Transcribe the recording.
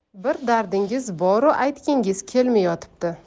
bir dardingiz boru aytgingiz kelmiyotibdi